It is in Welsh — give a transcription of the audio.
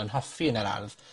yn hoffi yn yr ardd.